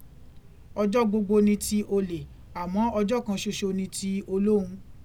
Ọjọ́ gbogbo ni ti olè, àmọ́ ọjọ́ kan ṣoṣo ni ti olóhun.